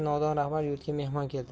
nodon rahbar yurtga mehmon keltirar